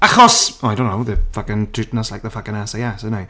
Achos oh I don't know they're fucking treating us like the fucking SAS 'in' they?